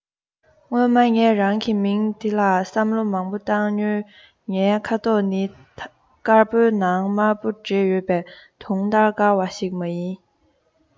སྔོན མ ངས རང གི མིང འདི ལ བསམ བློ མང པོ བཏང མྱོང ངའི ཁ དོག ནི དཀར པོའི ནང དམར པོ འདྲེས ཡོད པས དུང ལྟར དཀར བ ཞིག མ ཡིན